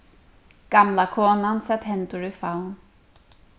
gamla konan sat hendur í favn